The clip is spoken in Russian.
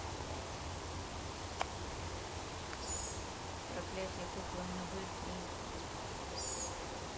проклятье куклы анабель три